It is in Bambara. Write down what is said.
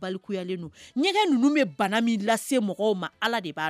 Ɲɛgɛn ninnu bɛ bana min lase mɔgɔw ma Ala de b'a